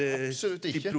absolutt ikke.